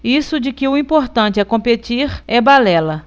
isso de que o importante é competir é balela